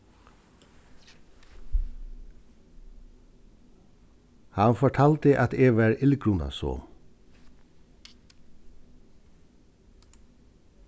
hann fortaldi at eg var illgrunasom